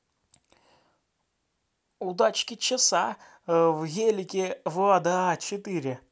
удачки часа в гелике влада а четыре